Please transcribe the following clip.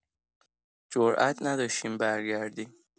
جرئت نداشتیم برگردیم.